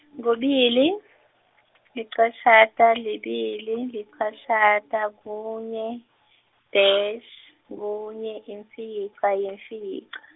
kubili, licashata lebili- licashata kunye, dash, kunye imfica yimfica.